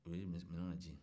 u ye minɛn na jigi